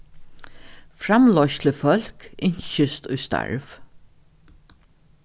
framleiðslufólk ynskist í starv